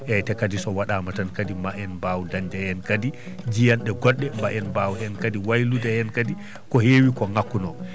eyyi te kadi so waɗama tan kadi ma en mbaw dañdeheen kadi jiihanɗe goɗɗe ma en mbawheen kadi wayluheen kadi ko heewi ko ngakkuno